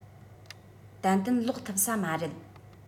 ཏན ཏན ལོག ཐུབ ས མ རེད